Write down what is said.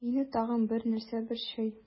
Мине тагын бер нәрсә борчый.